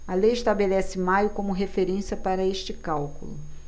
a lei estabelece maio como referência para este cálculo